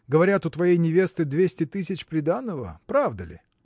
Говорят, у твоей невесты двести тысяч приданого – правда ли?